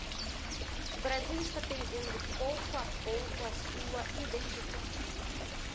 o brasil está perdendo pouco a pouco a sua identidade